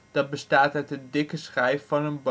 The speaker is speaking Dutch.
dat bestaat uit een dikke schijf van een